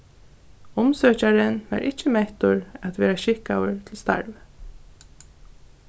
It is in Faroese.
umsøkjarin var ikki mettur at vera skikkaður til starvið